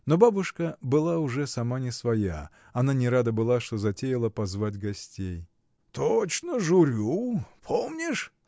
Но бабушка была уж сама не своя: она не рада была, что затеяла позвать гостей. — Точно, журю: помнишь?